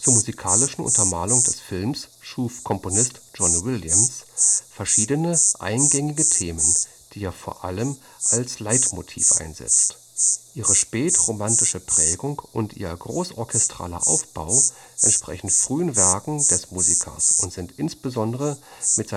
musikalischen Untermalung des Films schuf Komponist John Williams verschiedene eingängige Themen, die er vor allem als Leitmotive einsetzt. Ihre spätromantische Prägung und ihr großorchestraler Aufbau entsprechen früheren Werken des Musikers und sind insbesondere mit